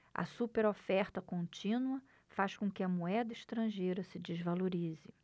a superoferta contínua faz com que a moeda estrangeira se desvalorize